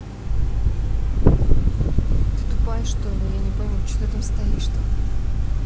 ты тупая что ли я не пойму что ты там стоишь то